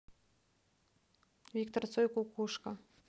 виктор цой кукушка